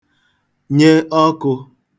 nyẹ ọkụ̄